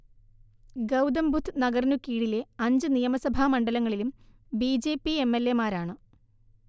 ഗൗതംബുദ്ധ് നഗറിനു കീഴിലെ അഞ്ചു നിയമസഭാ മണ്ഡലങ്ങളിലും B J P M L A മാരാണ്